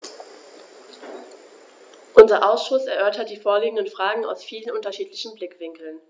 Unser Ausschuss erörtert die vorliegenden Fragen aus vielen unterschiedlichen Blickwinkeln.